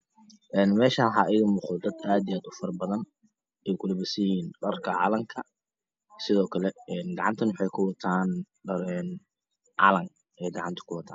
Meshan waxaa iiga muqdo dad aa io aad ufarabadan ay kulabisanyhiin dharka calanka gacantane waxey kuwataan calan